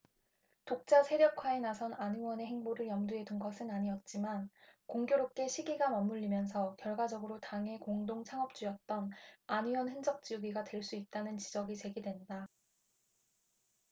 독자세력화에 나선 안 의원의 행보를 염두에 둔 것은 아니었지만 공교롭게 시기가 맞물리면서 결과적으로 당의 공동 창업주였던 안 의원 흔적 지우기가 될 수 있다는 지적이 제기된다